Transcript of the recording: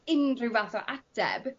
unrhyw fath o ateb